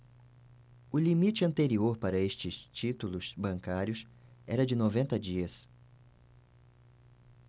o limite anterior para estes títulos bancários era de noventa dias